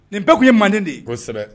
Nin bɛɛ tun ye manden de ye kosɛbɛ